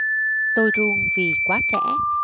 tôi run vì quá trẻ